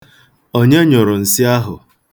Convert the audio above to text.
Onye nyụrụ nsị ahụ?